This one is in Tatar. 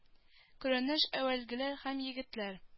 Күренеш ә вәлгеләр һәм егетләр